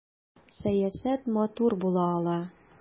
Сәясәт матур була ала!